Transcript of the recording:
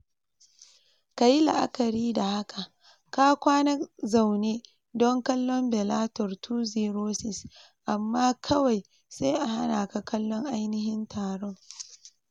Ka yi la'akari da haka, ka kwana zaune don kallon Bellator 206 amma kawai sai a hana ka kallon ainihin taron.